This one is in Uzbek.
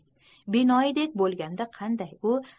binoyiday bo'lganda qanday